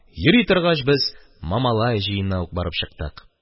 Йөри торгач, без Мамалай җыенына ук барып чыктык.